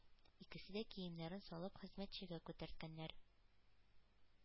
Икесе дә киемнәрен салып хезмәтчегә күтәрткәннәр.